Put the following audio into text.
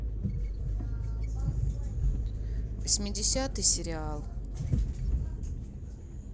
восьмидесятый сериал